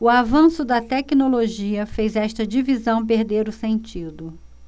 o avanço da tecnologia fez esta divisão perder o sentido